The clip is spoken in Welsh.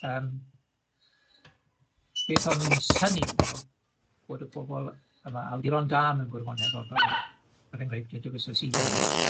yym beth o'n i'n synnu efo o'dd bod y pobol yma, awduron da mewn gwirionedd o'dd fel, er enghraifft, fyn 'na